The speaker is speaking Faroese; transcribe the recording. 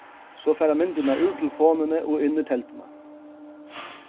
so fara myndirnar úr telefonini og inn í telduna